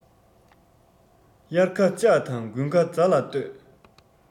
དབྱར ཁ ལྕགས དང དགུན ཁ རྫ ལ ལྟོས